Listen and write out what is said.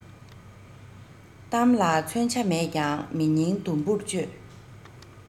གཏམ ལ ཚོན ཆ མེད ཀྱང མི སྙིང དུམ བུར གཅོད